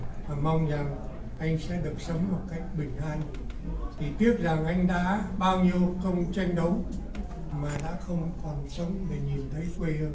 mong rằng anh sẽ được sống một cách bình an chỉ tiếc rằng anh đã bao nhiêu công tranh đấu mà đã không không còn sống để nhìn thấy quê hương